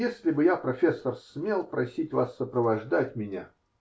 Если бы я, профессор, смел просить вас сопровождать меня.